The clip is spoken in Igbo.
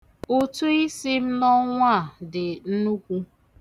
Ụtụisi m n'ọnwa dị nnukwu.